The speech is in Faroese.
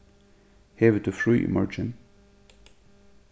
hevur tú frí í morgin